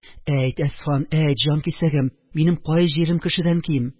– әйт, әсфан, әйт, җанкисәгем, минем кай җирем кешедән ким?